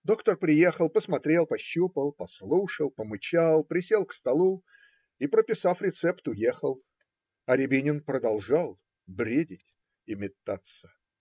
Доктор приехал, посмотрел, пощупал, послушал, помычал, присел к столу и, прописав рецепт, уехал, а Рябинин продолжал бредить и метаться.